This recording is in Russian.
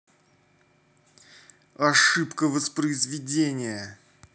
ошибка воспроизведения